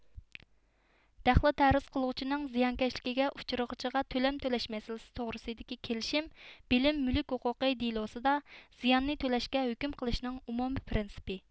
دەخلى تەرۇز قىلغۇچىنىڭ زىيانكەشلىكىگە ئۇچرىغۇچىغا تۆلەم تۆلەش مەسىلىسى توغرىسىدىكى كېلىشىم بىلىم مۈلۈك ھوقۇقى دېلوسىدا زىياننى تۆلەشكە ھۆكۈم قىلىشنىڭ ئومۇمىي پرىنسىپى